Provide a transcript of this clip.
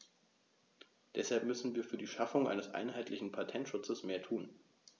Deshalb müssen wir für die Schaffung eines einheitlichen Patentschutzes mehr tun.